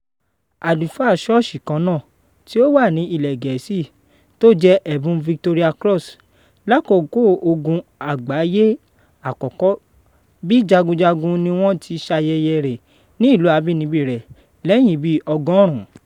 Àlùfáà Sọ́ọ̀sì kannáà tí ó wà ní ilẹ̀ Gẹ́ẹ̀sí tó jẹ ẹ̀bún Victoria Cross lákòókò Ogun Àgbáyé Àkọ́kọ́ bí jagunjagun ni wọn ti ṣayẹyẹ rẹ̀ ní ilú abínibí rẹ́ lẹ́yín bí 100.